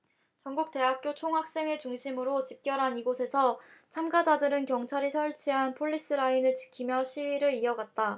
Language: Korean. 전국 대학교 총학생회 중심으로 집결한 이곳에서 참가자들은 경찰이 설치한 폴리스라인을 지키며 시위를 이어갔다